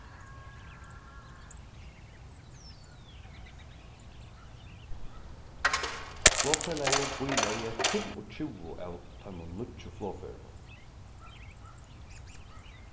flogfelagið bílegði fimmogtjúgu av teimum nýggju flogførunum